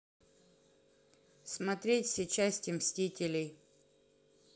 смотреть все части мстителей